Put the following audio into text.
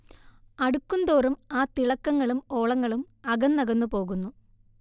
അടുക്കുംതോറും ആ തിളക്കങ്ങളും ഓളങ്ങളും അകന്നകന്നു പോകുന്നു